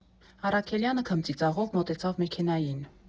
Առաքելյանը քմծիծաղով մոտեցավ մեքենային։